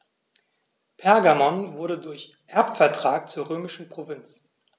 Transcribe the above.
Pergamon wurde durch Erbvertrag zur römischen Provinz.